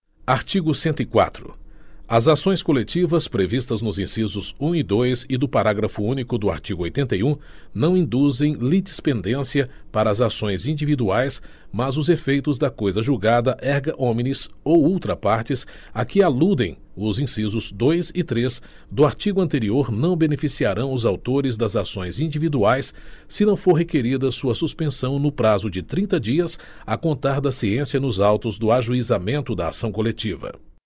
artigo cento e quatro as ações coletivas previstas nos incisos um e dois e do parágrafo único do artigo oitenta e um não induzem litispendência para as ações individuais mas os efeitos da coisa julgada erga omnes ou ultra partes a que aludem os incisos dois e três do artigo anterior não beneficiarão os autores das ações individuais se não for requerida sua suspensão no prazo de trinta dias a contar da ciência nos autos do ajuizamento da ação coletiva